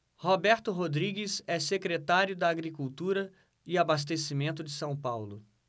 roberto rodrigues é secretário da agricultura e abastecimento de são paulo